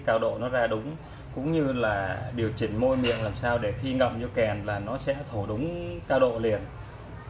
làm sao để cho cao độ nó ra đúng cũng như là điều chỉnh môi miệng như thế nào mà khi thổi nó sẽ ra đúng cao độ ngay lập tức